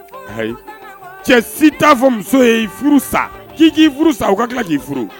Ayi cɛ si t'a fɔ muso ye furu san ki furu san u ka tila k'i furu